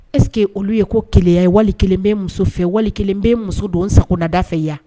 Est ce que olu ye ko keleyay wali kelen n bɛ n muso fɛ wali kelen n bɛ n muso don sagona da fɛ yan ?